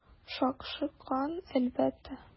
Шакшы кан, әлбәттә.